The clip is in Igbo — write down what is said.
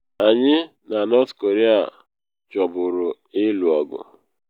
“Anyị na North Korea chọburu ịlụ ọgụ.